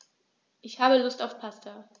Ich habe Lust auf Pasta.